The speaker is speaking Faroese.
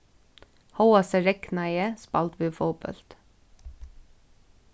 hóast tað regnaði spældu vit fótbólt